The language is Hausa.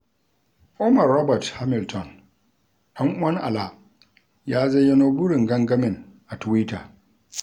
Omar Robert Hamilton, ɗan'uwan Alaa, ya zayyano burin gangamin a Tuwita: